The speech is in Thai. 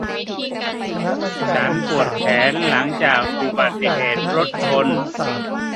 ฉันปวดแขนหลังจากอุบัติเหตุรถชน